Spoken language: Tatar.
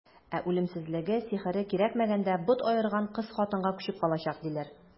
Ә үлемсезлеге, сихере кирәкмәгәндә бот аерган кыз-хатынга күчеп калачак, диләр.